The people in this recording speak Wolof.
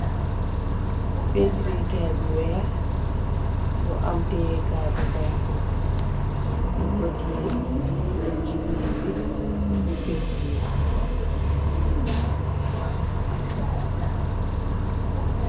Painturre kai bu weex bu am tiye kai bu xonxu nyung ko tiye tek si meer bi di painturr.